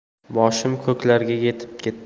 boshim ko'klarga yetib ketti